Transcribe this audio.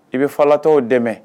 I bɛ falatɔ dɛmɛ